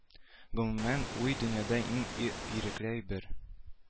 Гомумән уй дөньяда иң ирекле әйбер